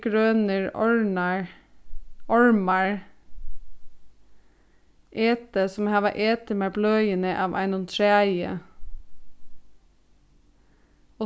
grønir ormar etið sum hava etið mær bløðini av einum træi